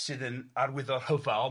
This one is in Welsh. sydd yn arwydd o rhyfel